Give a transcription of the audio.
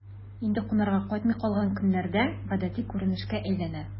Инде кунарга кайтмый калган көннәр дә гадәти күренешкә әйләнә...